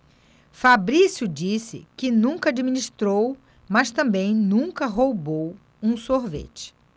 fabrício disse que nunca administrou mas também nunca roubou um sorvete